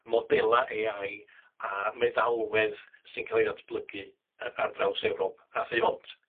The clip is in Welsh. modela' a meddalwedd sy'n ca'l ei ddatblygu a- ar draws Ewrop a thu hwnt.